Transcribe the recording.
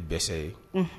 Dɛsɛ ye, unhun